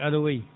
allo ouais